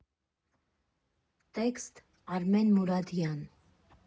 Տեքստ՝ Արմեն Մուրադյան։